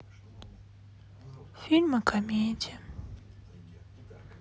фильмы комедия